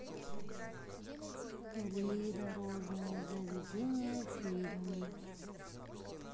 придорожное заведение фильм